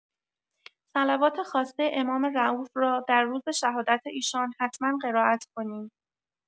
صلوات خاصه امام رئوف را در روز شهادت ایشان حتما قرائت کنیم.